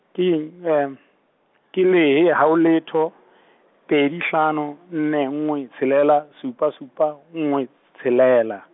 ke eng? , ke lehe haho letho, pedi hlano, nne nngwe, tshelela, supa supa, nngwe, tshelela.